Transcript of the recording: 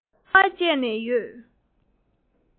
དཀའ བ སྤྱད ནས ཡོད